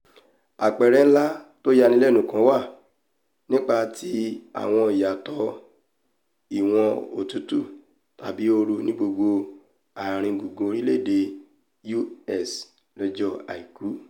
Àpẹẹrẹ ńlá tóyanilẹ́nu kan wà nípa ti àwọn ìyàtọ̀ ìwọ̀n otútù tàbí ooru ní gbogbo ààrin gùngùn orílẹ̀-èdè U.S. lọ́jọ́ Àìkú.